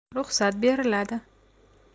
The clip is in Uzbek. ruxsat beriladi